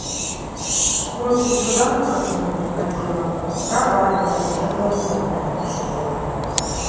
уроки труда на которую приходила проваливалась не было интернета что ли